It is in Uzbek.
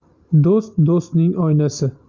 do'st do'stning oynasi